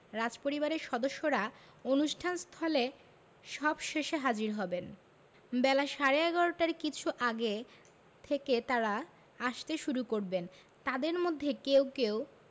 রাজপরিবারের সদস্যরা অনুষ্ঠান স্থলে সবশেষে হাজির হবেন বেলা সাড়ে ১১টার কিছু আগে থেকে তাঁরা আসতে শুরু করবেন তাঁদের মধ্যে কেউ